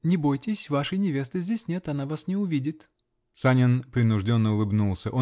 Не бойтесь: вашей невесты здесь нет -- она вас не увидит. Санин принужденно улыбнулся.